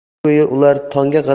shu ko'yi ular tongga